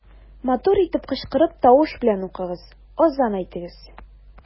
Матур итеп кычкырып, тавыш белән укыгыз, азан әйтегез.